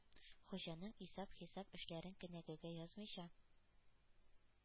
Хуҗаның исәп-хисап эшләрен кенәгәгә язмыйча,